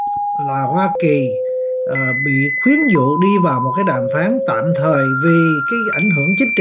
là hoa kỳ ở bị khuyến dụ đi vào đàm phán tạm thời vì khi ảnh hưởng chính trị